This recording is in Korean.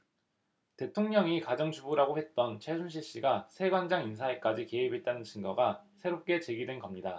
대통령이 가정주부라고 했던 최순실씨가 세관장 인사에까지 개입했다는 증거가 새롭게 제기된겁니다